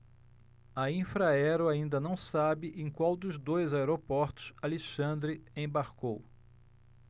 a infraero ainda não sabe em qual dos dois aeroportos alexandre embarcou